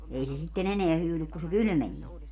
ei se sitten enää hyydy kun se kylmeni